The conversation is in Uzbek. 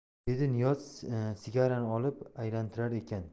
dedi niyoz sigarani olib aylantirar ekan